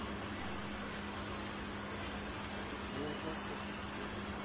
луначарского сто шесть